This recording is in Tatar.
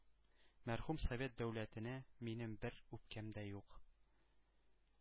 Мәрхүм совет дәүләтенә минем бер үпкәм дә юк.